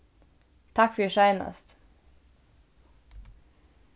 takk fyri seinast